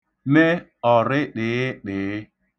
me ọ̀rịṭị̀ịṭị̀ị